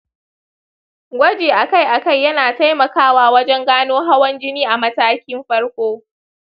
gwaji akai akai yana taimakawa wajen gano hawan jini a mataki farko.